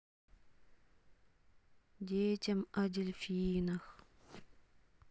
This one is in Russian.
детям о дельфинах